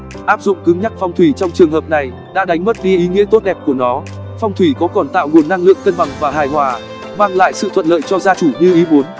áp dụng cứng nhắc phong thủy trong trường hợp này đã đánh mất đi ý nghĩa tốt đẹp của nó phong thủy có còn tạo nguồn năng lượng cân bằng và hài hòa mang lại sự thuận lợi cho gia chủ như ý muốn